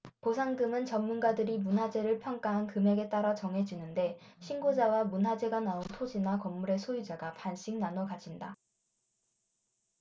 보상금은 전문가들이 문화재를 평가한 금액에 따라 정해지는데 신고자와 문화재가 나온 토지나 건물의 소유자가 반씩 나눠 가진다